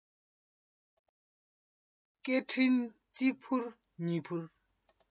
སྐད འཕྲིན གཅིག ཕུར གཉིས ཕུར